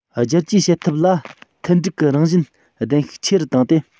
བསྒྱུར བཅོས བྱེད ཐབས ལ མཐུན འགྲིག གི རང བཞིན ལྡན ཤུགས ཆེ རུ བཏང སྟེ